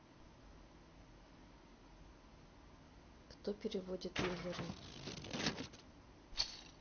кто переводит миллера